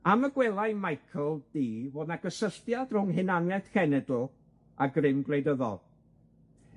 Am y gwelai Michael Dee fod 'na gysylltiad rhwng hunaniaeth cenedl a grym gwleidyddol.